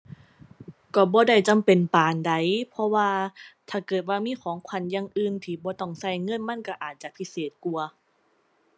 ก็บ่ได้จำเป็นปานใด เพราะว่าถ้าเกิดว่ามีของขวัญอย่างอื่นที่บ่ต้องใช้เงินมันใช้อาจจะพิเศษกว่า